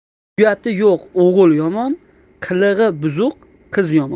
uyati yo'q o'g'il yomon qilig'i buzuq qiz yomon